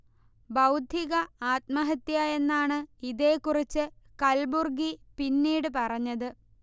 'ബൗദ്ധിക ആത്മഹത്യ' എന്നാണ് ഇതേകുറിച്ച് കൽബുർഗി പിന്നീട് പറഞ്ഞത്